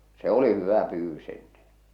se oli hyvä pyydys ennen